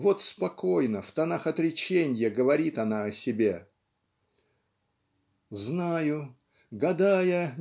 Вот спокойно, в тонах отреченья, говорит она о себе Знаю гадая